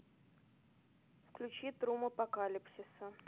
включи трум апокалипсиса